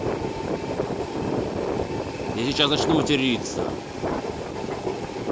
я сейчас начну материться